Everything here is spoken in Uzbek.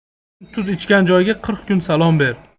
bir kun tuz ichgan joyga qirq kun salom ber